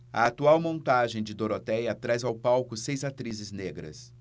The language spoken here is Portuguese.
a atual montagem de dorotéia traz ao palco seis atrizes negras